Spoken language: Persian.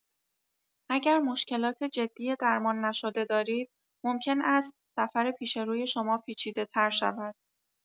اگر مشکلات جدی درمان‌نشده دارید، ممکن است سفر پیش روی شما پیچیده‌تر شود.